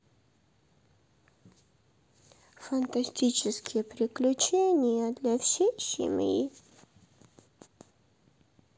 фантастические приключения для всей семьи